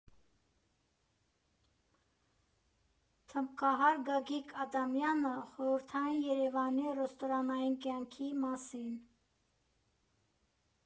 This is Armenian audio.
Թմբկահար Գագիկ Ադամյանը՝ խորհրդային Երևանի ռեստորանային կյանքի մասին։